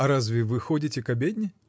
-- А разве вы ходите к обедне?